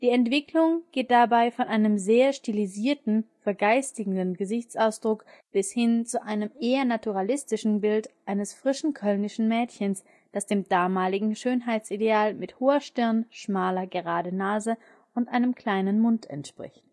Entwicklung geht dabei von einem sehr „ stilisierten “, vergeistigten Gesichtsausdruck bis hin zu einem eher naturalistischen Bild eines „ frischen, kölnischen Mädchens “, das dem damaligen Schönheitsideal mit hoher Stirn, schmaler gerader Nase und einem kleinen Mund entspricht